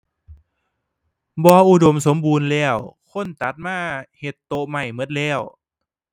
บ่อุดมสมบูรณ์แล้ว คนตัดมาเฮ็ดโต๊ะไม้หมดแล้ว